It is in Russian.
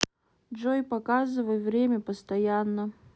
джой показывай время постоянно